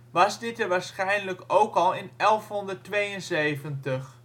was dit er waarschijnlijk ook al in 1172. In